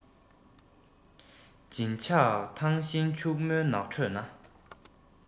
བྱིན ཆགས ཐང ཤིང ཕྱུག མོའི ནགས ཁྲོད ན